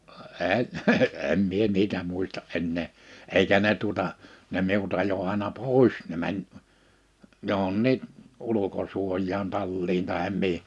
en en minä niitä muista enää eikä ne tuota ne minut ajoi aina pois ne meni johonkin ulkosuojaan talliin tai mihin